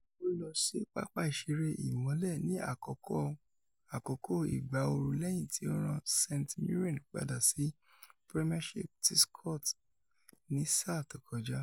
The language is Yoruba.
O lọsi papa iṣere Imọlẹ ni akoko igba oru lẹhin ti o ran St Mirren pada si Premiership ti Scot ni saa to kọja.